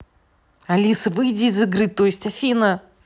алиса выйди из игры то есть афина